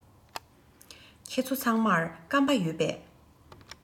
ཁྱེད ཚོ ཚང མར སྐམ པ ཡོད པས